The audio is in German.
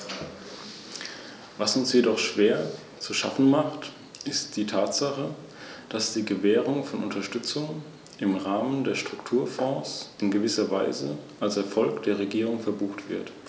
Das bedeutet, dass lokale Gebietskörperschaften und nationale Regierungen bei der Verwendung dieser Mittel eng und partnerschaftlich zusammenarbeiten müssen.